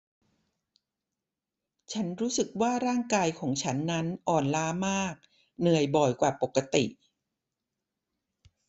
ฉันรู้สึกว่าร่างกายของฉันนั้นอ่อนล้ามากเหนื่อยบ่อยกว่าปกติ